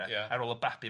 ar ôl y babi.